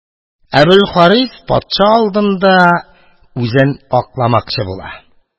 Әбелхарис патша алдында үзен акламакчы була